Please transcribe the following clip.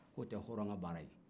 o tɛ hɔrɔn ka baara ye